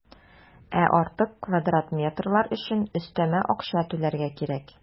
Ә артык квадрат метрлар өчен өстәмә акча түләргә кирәк.